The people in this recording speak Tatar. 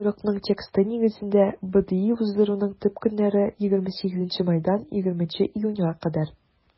Боерыкның тексты нигезендә, БДИ уздыруның төп көннәре - 28 майдан 20 июньгә кадәр.